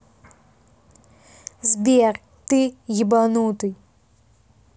сбер ты ебанутый